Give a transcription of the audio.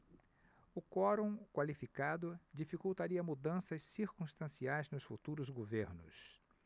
o quorum qualificado dificultaria mudanças circunstanciais nos futuros governos